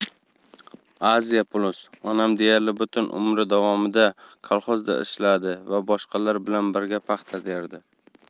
asia plus onam deyarli butun umri davomida 'kolxoz'da ishladi va boshqalar bilan birga paxta terdi